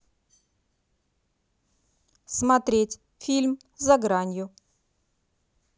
смотреть фильм за гранью